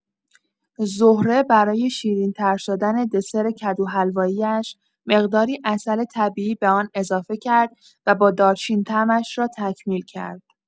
زهره برای شیرین‌تر شدن دسر کدوحلوایی‌اش، مقداری عسل طبیعی به آن اضافه کرد و با دارچین طعمش را تکمیل کرد.